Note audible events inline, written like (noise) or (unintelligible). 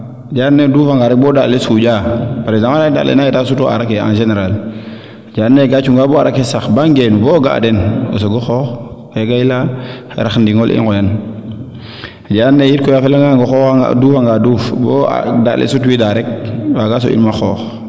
yaa ando naye i nddufa nga rek bo daand le suuƴa (unintelligible) daand le na eetaa sutu arake en generale ke ando naye ka cunga bo arake sax baa ngeenu bo o ga'a den o soogo xoox kaa i leya rax ndiingole i leyan ya and naye rek koy a fela ngang yit o xoxa nga o dufa nga duuf bo daand le sutwiida rek waga moɓin ma xoox